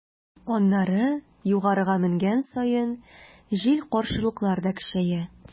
Аннары, югарыга менгән саен, җил-каршылыклар да көчәя.